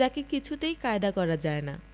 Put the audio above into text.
যাকে কিছুতেই কায়দা করা যায় না